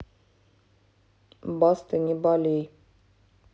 баста не болей